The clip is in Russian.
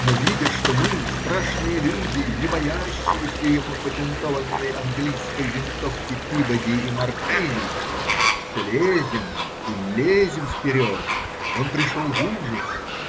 Но видя, что мы, страшные люди, не боящиеся его патентованной английской винтовки Пибоди и Мартини, все лезем и лезем вперед, он пришел в ужас.